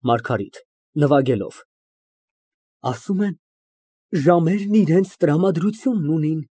ՄԱՐԳԱՐԻՏ ֊ (Նվագելով) Ասում են, ժամերն իրանց տրամադրությունն ունին։